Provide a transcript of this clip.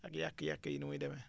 ak yàq-yàq yi ni muy demee